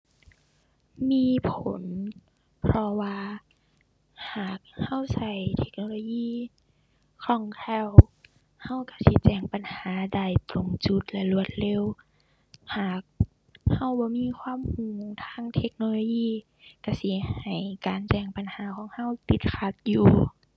มีผล เพราะว่าหากเราเราเทคโนโลยีคล่องแคล่ว เราเราสิแจ้งปัญหาตรงจุดและรวดเร็ว หากเราบ่มีความเราทางเทคโนโลยี เราสิให้การแจ้งปัญหาของเราติดขัดอยู่